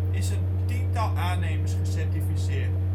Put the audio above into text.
is een tiental aannemers gecertificeerd